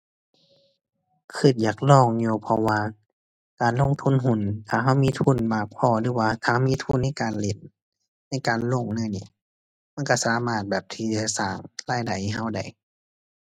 คิดอยากลองอยู่ เพราะว่าการลงทุนหุ้น ถ้าคิดมีทุนมากพอหรือว่าถ้าคิดมีทุนในการเล่น ในการลงแนวนี้ มันคิดสามารถที่จะสร้างรายได้ให้คิดได้